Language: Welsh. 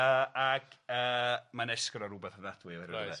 yy ac yy mae'n esgro rwbeth ofnadwy oherwydd hynne... Reit...